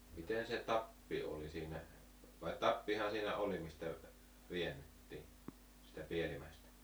miten se tappi oli siinä vai tappihan siinä oli mistä - väännettiin sitä päällimmäistä